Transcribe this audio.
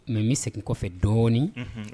Mɛ n bɛ segin kɔfɛ dɔɔnin